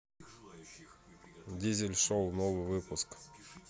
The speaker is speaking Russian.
дизель шоу новый выпуск